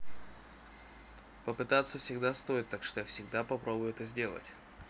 попытаться всегда стоит так что я всегда попробую это сделать